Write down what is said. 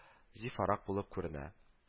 Зифарак булып күренә